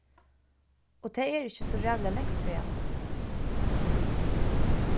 og tað er ikki so ræðuliga langt síðani